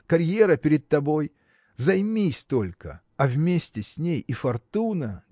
карьера перед тобой: займись только а вместе с ней и фортуна.